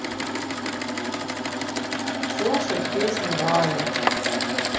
слушать песню вали